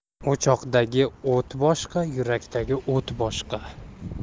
o'choqdagi o't boshqa yurakdagi o't boshqa